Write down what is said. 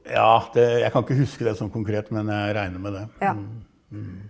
ja det jeg kan ikke huske det sånn konkret, men jeg regner med det .